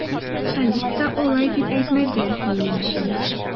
Салих та алай дип әйтмәде, минемчә...